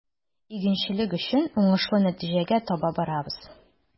Игенчелек өчен уңышлы нәтиҗәгә таба барабыз.